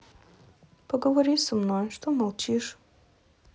поговори со мной что молчишь